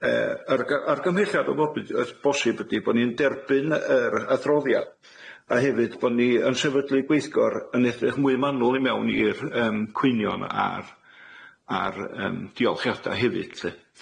yyy yr argymhelliad o- bo- os bosib ydi bo' ni'n derbyn yr adroddiad a hefyd bo' ni yn sefydlu gweithgor yn edrych mwy manwl i mewn i'r yym cwynion a'r a'r yym diolchiada hefyd 'lly.